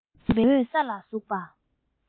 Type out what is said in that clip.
ཞོགས པའི ཉི འོད ས ལ ཟུག པ